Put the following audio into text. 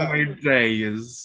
Oh my days.